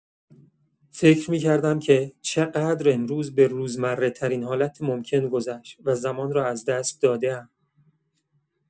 فکر می‌کردم که چه‌قدر امروز به روزمره‌ترین حالت ممکن گذشت و زمان را از دست داده‌ام.